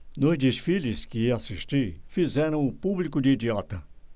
nos desfiles que assisti fizeram o público de idiota